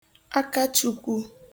Akachukwu